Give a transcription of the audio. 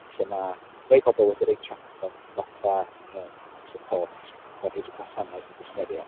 Lle ma' rai bobl wedi rhoi chatbot fatha yym support fatha rhoid y gwasanaeth i gwsmeriaid.